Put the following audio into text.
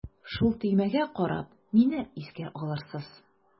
Шул төймәгә карап мине искә алырсыз.